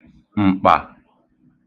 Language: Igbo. m̀kpà